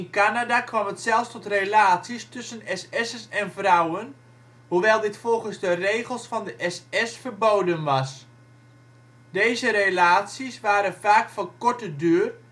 Kanada kwam het zelfs tot relaties tussen SS'ers en vrouwen, hoewel dit volgens de regels van de SS verboden was. Deze relaties waren vaak van korte duur